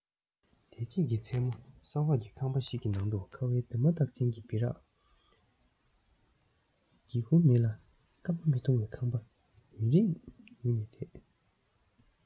འདས རྗེས ཀྱི མཚན མོ ས འོག གི ཁང པ ཞིག གི ནང དུ ཁ བའི འདབ མ རྟགས ཅན གྱི སྦི རག སྒེའུ ཁུང མེད ལ སྐར མ མི མཐོང བའི ཁང པ ཡུན རིང ངུས ནས བསྡད